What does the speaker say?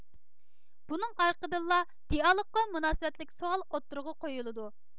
بۇنىڭ ئارقىدىنلا دىئالوگقا مۇناسىۋەتلىك سوئال ئوتتۇرىغا قويۇلىدۇ